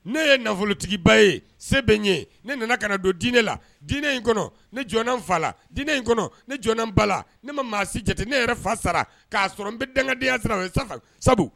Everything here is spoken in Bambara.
Ne ye nafolotigiba ye se bɛ ɲɛ ne nana ka don diinɛ la diinɛ in kɔnɔ ni fa la diinɛ in kɔnɔ ni bala la ne ma maa si jate ne yɛrɛ fa sara k'a sɔrɔ n bɛ dangandenya sira ye sabu